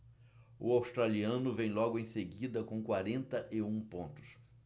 o australiano vem logo em seguida com quarenta e um pontos